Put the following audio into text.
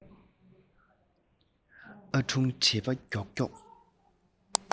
ཨ དྲུང དྲེལ པ མགྱོགས མགྱོགས